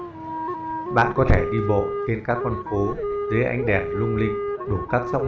bạn có thể đi bộ trên các con phố dưới ánh đèn lung linh đủ các sắc màu